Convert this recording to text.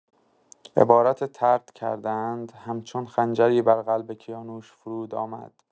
عبارت «طرد کرده‌اند» همچون خنجری بر قلب کیانوش فرود آمد.